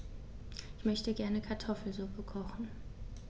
Ich möchte gerne Kartoffelsuppe kochen.